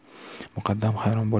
muqaddam hayron bo'lib